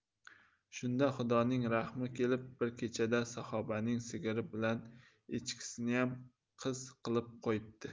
shunda xudoning rahmi kelib bir kechada saxobaning sigiri bilan echkisiniyam qiz qilib qo'yibdi